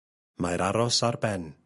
Mae'r aros ar ben.